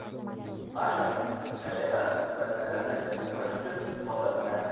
pashani nashavand ulfatlardan ajratib olish uchun ota ona